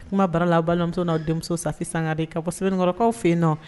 Kuma baara la a balimamuso' denmuso sanfɛ sanga de ka fɔ sɛbɛnkɔrɔkaw fɛ yen nɔ